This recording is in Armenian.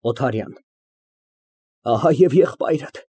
ՕԹԱՐՅԱՆ ֊ Ահա և եղբայրդ։